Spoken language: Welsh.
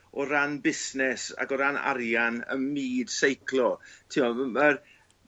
o ran busnes ac o ran arian ym myd seiclo ti'o' ma' ma'r